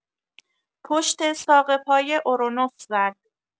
پشت ساق پای اورونوف زد